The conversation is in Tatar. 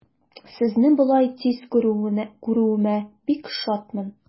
Сезне болай тиз күрүемә бик шатмын.